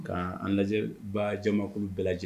Ka an lajɛ bajamakulu bɛɛ lajɛ